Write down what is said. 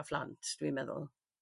a phlant dw i'n meddwl.